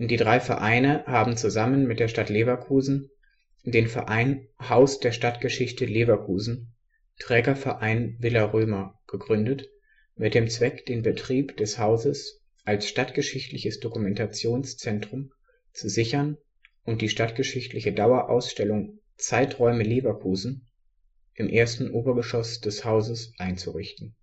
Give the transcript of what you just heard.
drei Vereine haben zusammen mit der Stadt Leverkusen den Verein " Haus der Stadtgeschichte, Leverkusen - Trägerverein Villa Römer " gegründet mit dem Zweck, den Betrieb des Hauses als stadtgeschichtliches Dokumentationszentrums zu sichern und die stadtgeschichtliche Dauerausstellung " Zeiträume Leverkusen " im ersten Obergeschoss des Hauses einzurichten